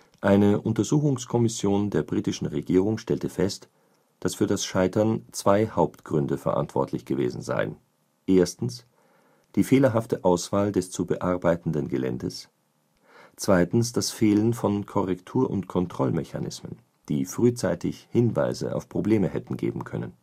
Eine Untersuchungskommission der britischen Regierung stellte fest, dass für das Scheitern zwei Hauptgründe verantwortlich gewesen seien: Erstens die fehlerhafte Auswahl des zu bearbeitenden Geländes, zweitens das Fehlen von Korrektur - und Kontrollmechanismen, die frühzeitig Hinweise auf Probleme hätten geben können